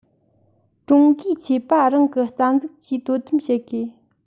ཀྲུང གོའི ཆོས པ རང གི རྩ འཛུགས ཀྱིས དོ དམ བྱེད དགོས